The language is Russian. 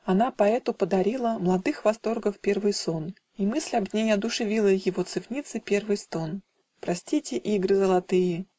Она поэту подарила Младых восторгов первый сон, И мысль об ней одушевила Его цевницы первый стон. Простите, игры золотые!